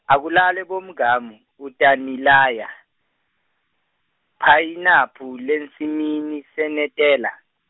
Akulalwe bomngamu, utanilaya, phayinaphu lensimini senetela.